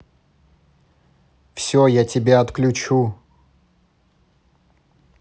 все я тебя отключу